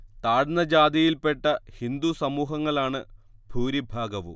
താഴ്ന്ന ജാതിയിൽ പെട്ട ഹിന്ദു സമൂഹങ്ങളാണ് ഭൂരിഭാഗവും